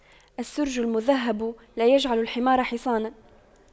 السَّرْج المُذهَّب لا يجعلُ الحمار حصاناً